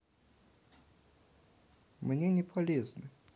мне не полезны